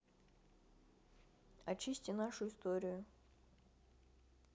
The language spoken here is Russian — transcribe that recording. очисти нашу историю